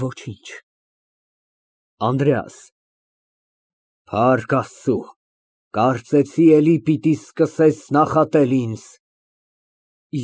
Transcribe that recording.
Ոչինչ, ԱՆԴՐԵԱՍ ֊ Փառք Աստուծո, կարծեցի էլի պիտի սկսես նախատել ինձ։